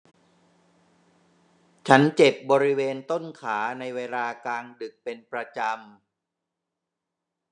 ฉันเจ็บบริเวณต้นขาในเวลากลางดึกเป็นประจำ